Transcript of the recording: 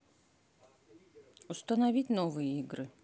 установить новые игры